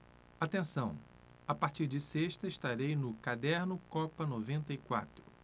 atenção a partir de sexta estarei no caderno copa noventa e quatro